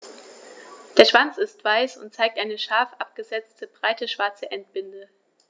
Der Schwanz ist weiß und zeigt eine scharf abgesetzte, breite schwarze Endbinde.